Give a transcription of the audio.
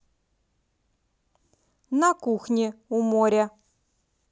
на кухне у моря